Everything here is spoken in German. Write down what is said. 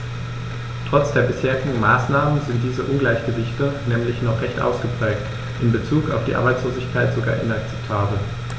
Trotz der bisherigen Maßnahmen sind diese Ungleichgewichte nämlich noch recht ausgeprägt, in bezug auf die Arbeitslosigkeit sogar inakzeptabel.